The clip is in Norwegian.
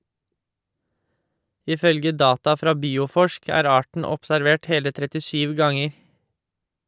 Ifølge data fra Bioforsk, er arten observert hele 37 ganger.